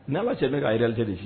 Ni ala cɛ ne ka yɛrɛd de